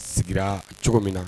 Sigira cogo min na